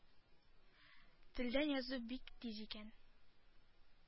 Телдән язу бик тиз икән...